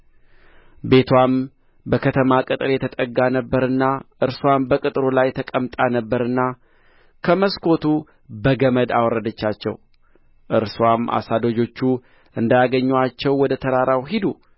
ቤትዋም በከተማ ቅጥር የተጠጋ ነበረና እርስዋም በቅጥሩ ላይ ተቀምጣ ነበርና ከመስኮቱ በገመድ አወረደቻቸው እርስዋም አሳዳጆቹ እንዳያገኙአችሁ ወደ ተራራው ሂዱ